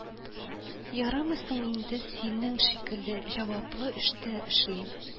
Ярыймы соң инде синең шикелле җаваплы эштә эшли